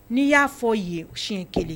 N'i y'a fɔ yen siɲɛ 1.